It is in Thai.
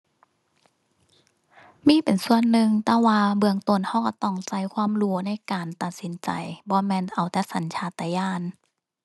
มีเป็นส่วนหนึ่ง แต่ว่าเบื้องต้นเราเราต้องเราความรู้ในการตัดสินใจ บ่แม่นเอาแต่สัญชาตญาณ